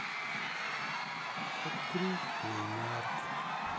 открыть плеймаркет